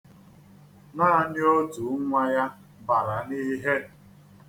Naanị otu nnwa ya bara n'ihe.